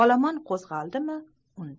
olomon qo'zg'aldimi